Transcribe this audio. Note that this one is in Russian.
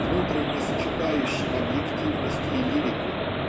внутренне сочетающем объективность и лирику